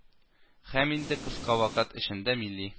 Һәм инде кыска вакыт эчендә мили